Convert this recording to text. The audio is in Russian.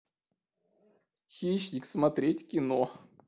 хищник смотреть кино